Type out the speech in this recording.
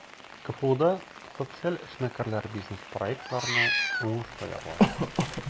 КФУда социаль эшмәкәрләр бизнес-проектларны уңышлы яклады.